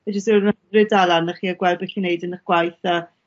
fel dwi sôn ma'n yfryd dal lan â chi a gwel' be' chi'n neud yn 'ych gwaith a